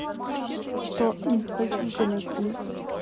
что ы хотите найти